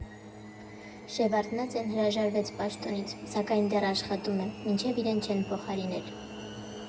Շևարդնաձեն հրաժարվեց պաշտոնից, սակայն դեռ աշխատում է, մինչև իրեն չեն փոխարինել։